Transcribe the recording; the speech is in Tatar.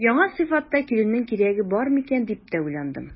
Яңа сыйфатта килүнең кирәге бар микән дип тә уйландым.